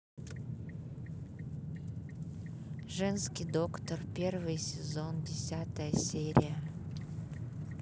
женский доктор первый сезон десятая серия